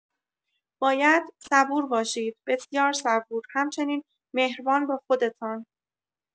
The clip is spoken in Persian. باید صبور باشید، بسیار صبور، همچنین مهربان با خودتان.